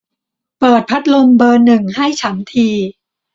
เปิดพัดลมเบอร์หนึ่งให้ฉันที